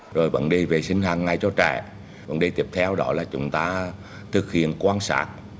rồi vấn đề vệ sinh hằng ngày cho trẻ vấn đề tiếp theo đó là chúng ta thực hiện quan sát